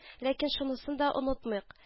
Ләкин шунысын да онытмыйк